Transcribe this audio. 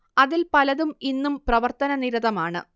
അതിൽ പലതും ഇന്നും പ്രവർത്തനനിരതമാണ്